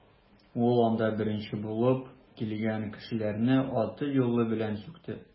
Ул анда беренче булып килгән кешеләрне аты-юлы белән сүкте.